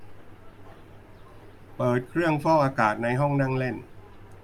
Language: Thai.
เปิดเครื่องฟอกอากาศในห้องนั่งเล่น